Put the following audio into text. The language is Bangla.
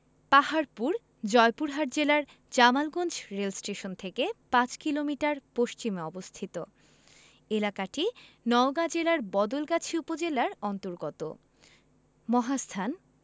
পাহাড়পুর জয়পুরহাট জেলার জামালগঞ্জ রেলস্টেশন থেকে ৫ কিলোমিটার পশ্চিমে অবস্থিত এলাকাটি নওগাঁ জেলার বদলগাছি উপজেলার অন্তর্গত মহাস্থান